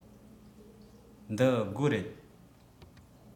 འདི སྒོ རེད